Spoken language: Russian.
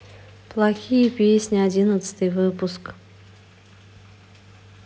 плохие песни одиннадцатый выпуск